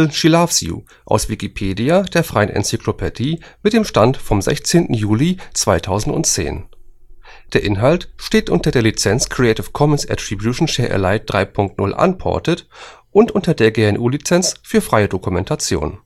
She Loves You, aus Wikipedia, der freien Enzyklopädie. Mit dem Stand vom Der Inhalt steht unter der Lizenz Creative Commons Attribution Share Alike 3 Punkt 0 Unported und unter der GNU Lizenz für freie Dokumentation